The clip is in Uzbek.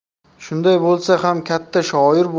shunday bo'lsa ham katta shoir